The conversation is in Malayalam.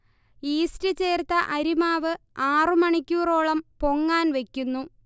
യീസ്റ്റ് ചേർത്ത അരിമാവ് ആറു മണിക്കൂറോളം പൊങ്ങാൻ വെക്കുന്നു